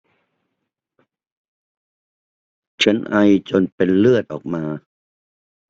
ฉันไอจนเป็นเลือดออกมา